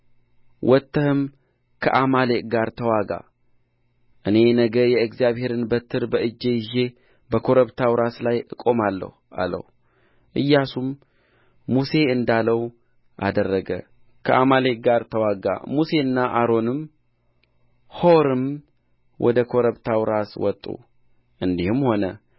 ወጥተህም ከአማሌቅ ጋር ተዋጋ እኔ ነገ የእግዚአብሔርን በትር በእጄ ይዤ በኮረብታው ራስ ላይ እቆማለሁ አለው ኢያሱም ሙሴ እንዳለው አደረገ ከአማሌቅም ጋር ተዋጋ ሙሴና አሮንም ሖርም ወደ ኮረብታው ራስ ወጡ እንዲህም ሆነ